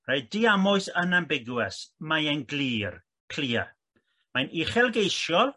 Reit diamwys unambiguous mae e'n glir clear mae'n uchelgeisiol